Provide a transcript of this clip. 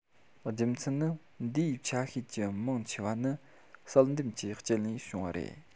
རྒྱུ མཚན ནི འདིའི ཆ ཤས ཀྱི མང ཆེ བ ནི བསལ འདེམས ཀྱི རྐྱེན ལས བྱུང བ རེད